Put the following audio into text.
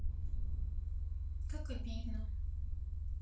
как обидно